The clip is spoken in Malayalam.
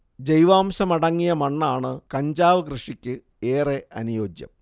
ജൈവാംശമടങ്ങിയ മണ്ണാണ് കഞ്ചാവ് കൃഷിക്ക് ഏറെ അനുയോജ്യം